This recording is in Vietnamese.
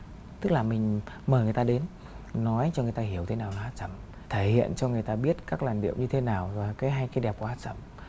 tức là mình mời người ta đến nói cho người ta hiểu thế nào là hát xẩm thể hiện cho người ta biết các làn điệu như thế nào và cái hay cái đẹp của hát xẩm